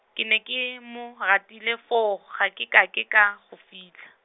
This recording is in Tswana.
ke ne ke mo, ratile foo, ga ke ka ke ka, go fitlha.